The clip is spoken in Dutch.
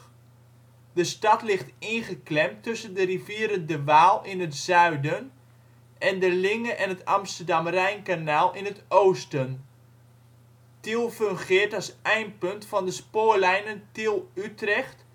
stad ligt ingeklemd tussen de rivieren de Waal (in het zuiden) en de Linge en het Amsterdam-Rijnkanaal (oosten). Tiel fungeert als eindpunt van de spoorlijnen Tiel - Utrecht